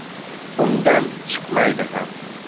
undan chiqmaydi ham